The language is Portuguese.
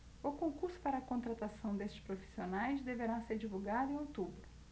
o concurso para contratação desses profissionais deverá ser divulgado em outubro